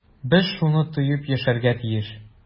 Без шуны тоеп яшәргә тиеш.